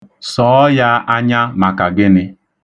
Sọọ ya anya maka gịnị?